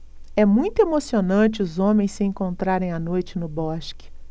é muito emocionante os homens se encontrarem à noite no bosque